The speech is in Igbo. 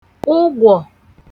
ụgwọ̀